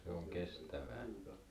se on kestävää